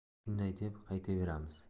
shunday deb qaytaveramiz